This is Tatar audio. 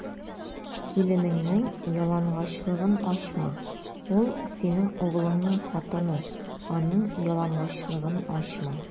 Киленеңнең ялангачлыгын ачма: ул - синең углыңның хатыны, аның ялангачлыгын ачма.